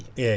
eyyi